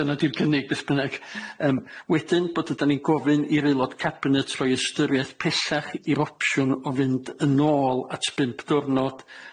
Dyna 'di'r cynnig beth bynnag yym wedyn bod ydan ni'n gofyn i'r Aelod Cabinet roi ystyriaeth pellach i'r opsiwn o fynd yn ôl at bump diwrnod.